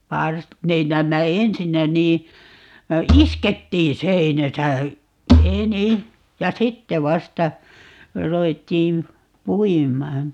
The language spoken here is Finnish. - ne näemmä ensinnä niin iskettiin seinässä enin ja sitten vasta ruvettiin puimaan